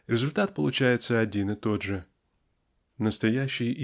-- результат получается один и тот же. Настоящей